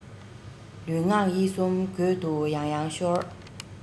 ལུས ངག ཡིད གསུམ རྒོད དུ ཡང ཡང ཤོར